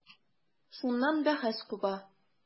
Шуннан бәхәс куба.